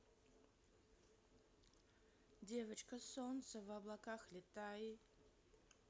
девочка солнце в облаках летай